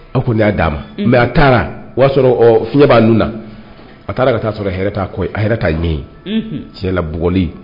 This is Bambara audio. Ko fo nu y'a d'a ma mais a taara o y'a sɔrɔ ɔ fiɲɛ b'a nun na , a taara ka taa sɔrɔ hɛrɛɛ taa kɔ y', a hɛrɛ' taa ɲɛ yen, tiɲɛla bugɔli.